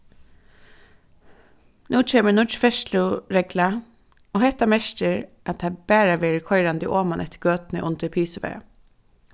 nú kemur nýggj ferðsluregla og hetta merkir at tað bara verður koyrandi oman eftir gøtuni undir pisuvarða